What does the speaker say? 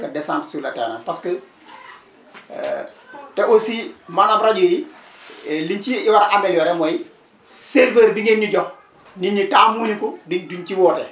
que descente sur le terrain parce que te aussi maanaam rajo yi li ñu ciy war a amélioré mooy serveur bi ngeen ñu jox nit ñi taamu wu ñu ko duñ ci woote